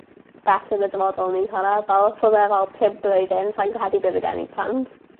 bell yn y dyfodol ni'n fel os odd e fel pump blwyddyn sai'n credu bydde gen i plant.